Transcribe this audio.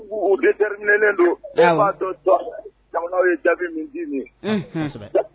Ennen don fato dɔ bamananw ye da min di ye